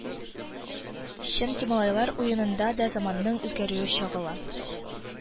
Чөнки малайлар уенында да заманның үзгәрүе чагыла